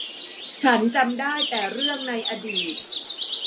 ฉันจำได้แต่เรื่องในอดีต